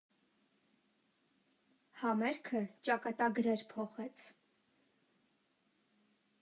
Համերգը ճակատագրեր փոխեց։